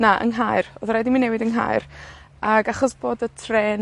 Na yng Nghaer. Odd raid i mi newid yng Nghaer, ag achos bod y trên